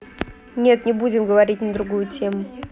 нет не будем говорить на другую тему